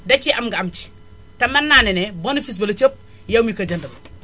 da ciy am nga am ci te mën naa ne ne bénéfice ba la ca ëpp yow mi ko jënd la